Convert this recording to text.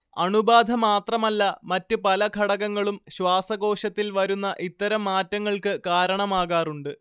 അണുബാധ മാത്രമല്ല മറ്റ് പല ഘടകങ്ങളും ശ്വാസകോശത്തിൽ വരുന്ന ഇത്തരം മാറ്റങ്ങൾക്ക് കാരണമാകാറുണ്ട്